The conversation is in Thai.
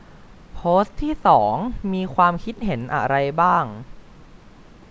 โพสต์ที่สองมีความคิดเห็นอะไรบ้าง